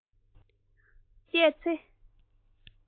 གློག བརྙན འདི རིགས བལྟས ཚེ